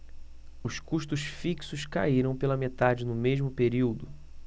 os custos fixos caíram pela metade no mesmo período